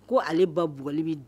Ko ale ba bugɔli bɛ